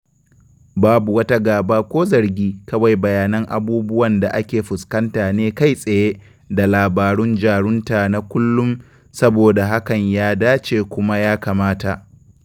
Babu wata gaba ko zargi, kawai bayanan abubuwan da ake fuskanta ne kai tsaye da labarun jarunta na kullum saboda hakan ya dace kuma ya kamata.